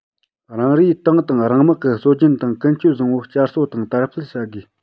རང རེའི ཏང དང རང དམག གི སྲོལ རྒྱུན དང ཀུན སྤྱོད བཟང པོ བསྐྱར གསོ དང དར སྤེལ བྱ དགོས